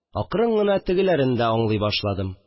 Акрын гына тегеләрен дә аңлый башладым